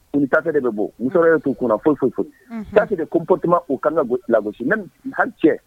Fini tafɛ de bɛ bɔ musɔrɔ yɛrɛ t'u kunna foyi foyi foyi, unhun, ça c'est des comportement u kan ka gosi, lagosi, même hali cɛ